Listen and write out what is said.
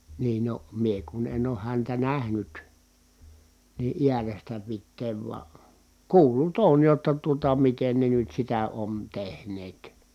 niin no minä kun en ole häntä nähnyt niin äärestä pitäen vain kuullut olen jotta tuota miten ne nyt sitä on tehneet